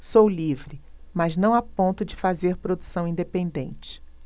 sou livre mas não a ponto de fazer produção independente